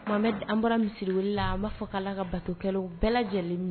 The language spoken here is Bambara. Bɛ an bɔra misiw la an b' fɔ k' ka bato kɛ bɛɛ lajɛlen min